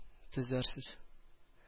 Төзәрсез